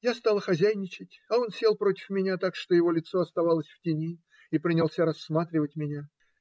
Я стала хозяйничать, а он сел против меня так, что его лицо оставалось в тени, и принялся рассматривать меня.